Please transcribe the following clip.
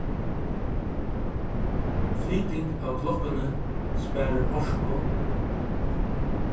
flyting av klokkuni sparir orku